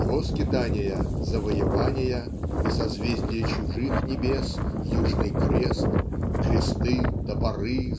его скитания - завоевания и созвездия чужих небес Южный Крест "кресты топоры